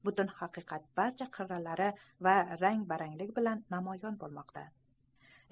butun haqiqat barcha qirralari va rang barangligi bilan namoyon bo'lmoqda